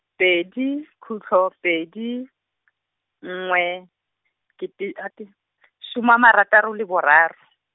pedi khutlo pedi , nngwe, kete ga teng, soma a marataro le boraro.